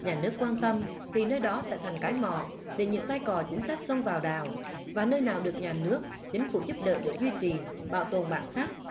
nhà nước quan tâm thì nơi đó sẽ thành cái mỏ để những tay cò chính sách xông vào đào và nơi nào được nhà nước chính phủ giúp đỡ để duy trì bảo tồn bản sắc